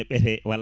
ene ɓeete walla